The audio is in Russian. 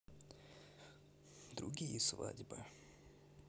другие свадьбы